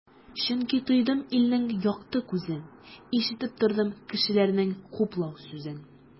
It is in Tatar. Чөнки тойдым илнең якты күзен, ишетеп тордым кешеләрнең хуплау сүзен.